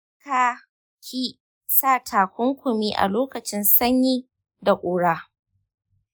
ka/ki sa takunkumi a lokacin sanyi da kura